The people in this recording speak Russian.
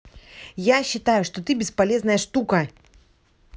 я считаю что ты бесполезная штука